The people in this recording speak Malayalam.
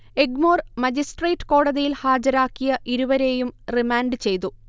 എഗ്മോർ മജിസ്ട്രേറ്റ് കോടതിയിൽ ഹാജരാക്കിയ ഇരുവരെയും റിമാൻഡ് ചെയ്തു